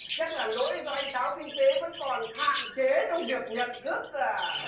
chắc là lỗi do anh táo kinh tế vẫn còn hạn chế trong việc nhận thức ạ